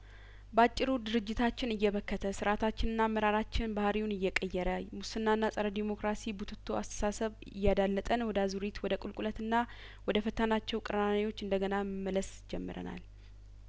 ባጭሩ ድርጅታችን እየበከተ ስርአታችንና አመራራችን ባህርይውን እየቀየረ ሙስናና ጸረ ዴሞክራሲ ቡትቶ አስተሳሰብ እያዳ ለጠን ወደ አዙሪት ወደ ቁልቁለትና ወደ ፈታ ናቸው ቅራኔዎች እንደገና መመለስ ጀምረናል